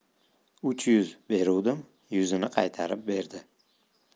uch yuz beruvdim yuzini qaytarib berdi